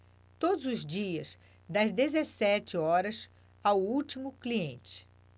todos os dias das dezessete horas ao último cliente